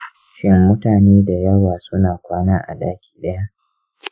shin mutane da yawa suna kwana a ɗaki ɗaya?